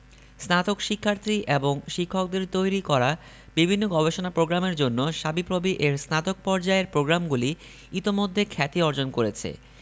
স্নাতক শিক্ষার্থী এবং শিক্ষকদের তৈরি করা বিভিন্ন গবেষণা প্রোগ্রামের জন্য সাবিপ্রবি এর স্নাতক পর্যায়ের প্রগ্রামগুলি ইতোমধ্যে খ্যাতি অর্জন করেছে